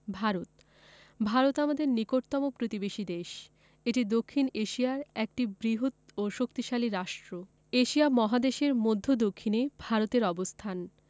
ভারত ভারত আমাদের নিকটতম প্রতিবেশী দেশ এটি দক্ষিন এশিয়ার একটি বৃহৎ ও শক্তিশালী রাষ্ট্র এশিয়া মহাদেশের মদ্ধ্য দক্ষিনে ভারতের অবস্থান